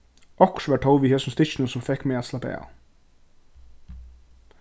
okkurt var tó við hesum stykkinum sum fekk meg at slappa av